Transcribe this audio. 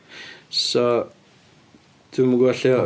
So, dwi'm yn gwbod lle...